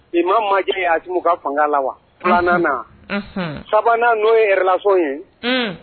I ma majɛ a j ka fanga la wa banna na sabanan n'o ye yɛrɛlafɛn ye